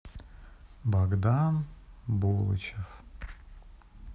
богдан булычев